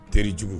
Teririjugu